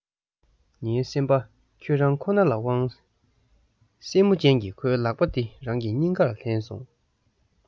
ངའི སེམས པ ཁྱོད རང ཁོ ན ལ དབང སེན མོ ཅན གྱི ཁོའི ལག པ དེ རང གི སྙིང གར ལྷན སོང